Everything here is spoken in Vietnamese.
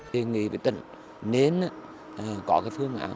tỉnh ủy với tỉnh à nên á có cái phương án